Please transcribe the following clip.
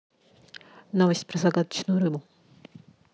новость про загадочную рыбу